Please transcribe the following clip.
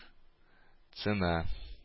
Цена